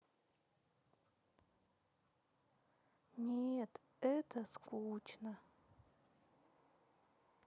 нет это скучно